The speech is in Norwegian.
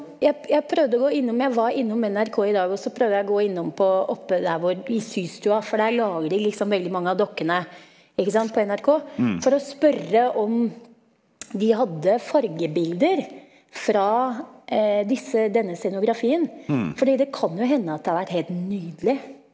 jeg jeg prøvde å gå innom jeg var innom NRK i dag også prøvde jeg å gå innom på oppe der hvor i systua, for der lager de liksom veldig mange av dokkene ikke sant på NRK, for å spørre om de hadde fargebilder fra disse denne scenografien fordi det kan jo hende at det har vært helt nydelig.